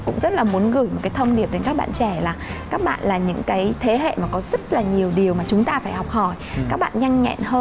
cũng rất là muốn gửi một thông điệp đến các bạn trẻ là các bạn là những cái thế hệ mà có rất là nhiều điều mà chúng ta phải học hỏi các bạn nhanh nhẹn hơn